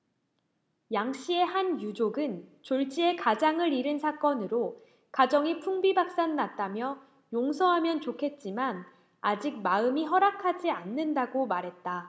양 씨의 한 유족은 졸지에 가장을 잃은 사건으로 가정이 풍비박산 났다며 용서하면 좋겠지만 아직 마음이 허락하지 않는다고 말했다